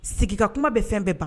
Sigi ka kuma bɛ fɛn bɛɛ